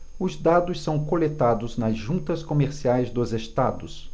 os dados são coletados nas juntas comerciais dos estados